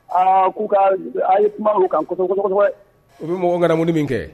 Aa k'u ka, a ye kuma o kan kosɛbɛ, kosɛbɛn u bɛ mɔgɔ ŋanamuli min kɛ